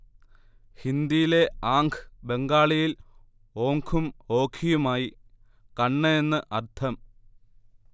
ഹിന്ദിയിലെ ആംഖ് ബംഗാളിയിൽ ഓംഖും ഓഖിയുമായി കണ്ണ് എന്ന്അർത്ഥം